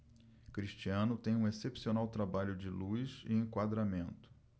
cristiano tem um excepcional trabalho de luz e enquadramento